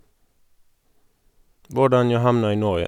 Hvordan jeg havnet i Norge.